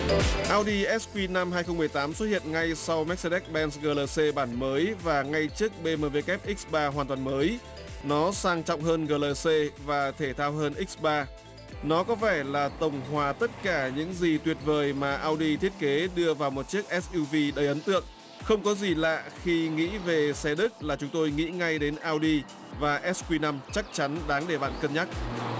au đi ét pi năm hai không mười tám xuất hiện ngay sau mét se dét ben gờ lờ xê bản mới và ngay trước b m w x ba hoàn toàn mới nó sang trọng hơn gờ lờ sê và thể thao hơn x ba nó có vẻ là tổng hòa tất cả những gì tuyệt vời mà au đi thiết kế đưa vào một chiếc ét iu vi đầy ấn tượng không có gì lạ khi nghĩ về xe đức là chúng tôi nghĩ ngay đến au đi va ét quy năm chắc chắn đáng để bạn cân nhắc